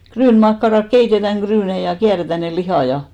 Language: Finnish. ryynimakkarat keitetään ryynejä ja kierretään ne lihat ja